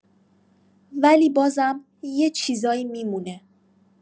ولی بازم، یه چیزهایی می‌مونه.